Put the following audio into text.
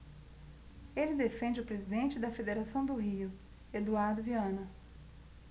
ele defende o presidente da federação do rio eduardo viana